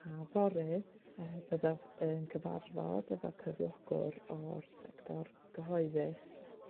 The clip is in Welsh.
a fory yy byddaf yn cyfarfod efo cyflogwr o'r sector gyhoeddus